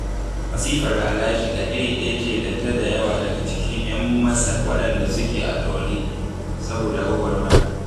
Masifar da Alaa ya shiga, iri ɗaya ce da ta da yawa daga cikin 'yan Masar waɗanda suke a ɗaure saboda gwagwarmaya.